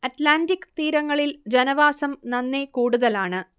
Atlantic തീരങ്ങളിൽ ജനവാസം നന്നെ കൂടുതലാണ്